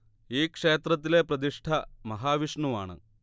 ഈ ക്ഷേത്രത്തിലെ പ്രതിഷ്ഠ മഹാവിഷ്ണു ആണ്